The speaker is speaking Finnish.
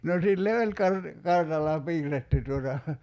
no sille oli - kartalla piirretty tuota